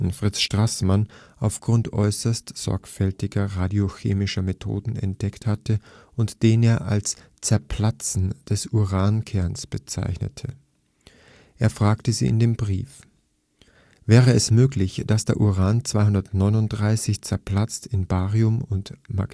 Fritz Straßmann, aufgrund äußerst sorgfältiger radiochemischer Methoden entdeckt hatte und den er als „ Zerplatzen “des Urankerns bezeichnete. Er fragte sie in dem Brief: „ Wäre es möglich, dass das Uran 239 zerplatzt in ein Ba und ein Ma